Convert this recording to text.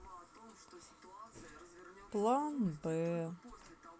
план б